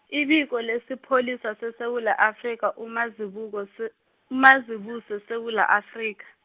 iBiko lesiPholisa seSewula Afrika umazibukwese-, uMazibuse weSewula Afrika.